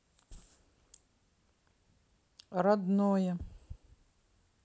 родное